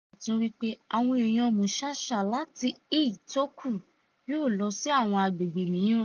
Nibaruta tún wí pé àwọn èèyàn Mushasha I àti II tó kù yóò kó lọ sí àwọn agbègbè mìíràn.